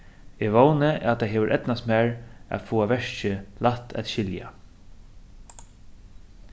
eg vóni at tað hevur eydnast mær at fáa verkið lætt at skilja